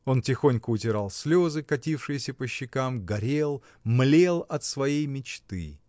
Он тихонько утирал слезы, катившиеся по щекам, горел, млел от своей мечты.